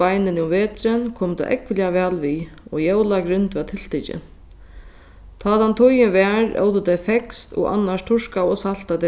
beinini um veturin kom tað ógvuliga væl við og jólagrind var tiltikin tá tann tíðin var ótu tey feskt og annars turka og salta